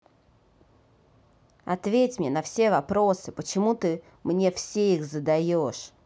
ответь мне на все вопросы почему ты мне все их задаешь